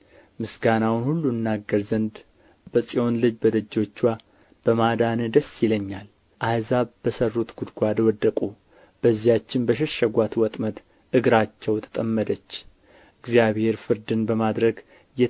ምስጋናውን ሁሉ እናገር ዘንድ በጽዮን ልጅ በደጆችዋ በማዳንህ ደስ ይለኛል አሕዛብ በሠሩት ጕድጓድ ወደቁ በዚያችም በሸሸጓት ወጥመድ እግራቸው ተጠመደች እግዚአብሔር ፍርድን በማድረግ